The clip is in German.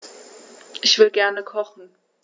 Ich will gerne kochen.